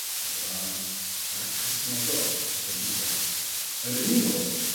y brân, a'r Cristnogol, y bendigaid. Yn yr un modd